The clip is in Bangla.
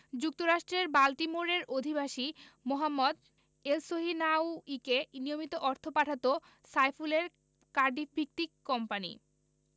যুক্তরাষ্ট্রের বাল্টিমোরের অধিবাসী মোহাম্মদ এলসহিনাউয়িকে নিয়মিত অর্থ পাঠাত সাইফুলের কার্ডিফভিত্তিক কোম্পানি